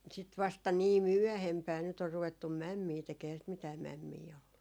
sitten vasta niin myöhempään nyt on ruvettu mämmiä tekemään eihän sitä mitään mämmiä ollut